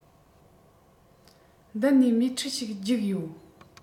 མདུན ནས མས ཁྲིད ཞིག རྒྱུགས ཡོད